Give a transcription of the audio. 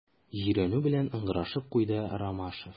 Җирәнү белән ыңгырашып куйды Ромашов.